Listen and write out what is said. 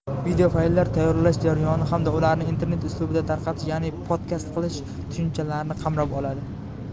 videofayllar tayyorlash jarayoni hamda ularni internet uslubida tarqatish ya'ni podkast qilish tushunchalarini qamrab oladi